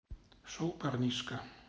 шел парнишка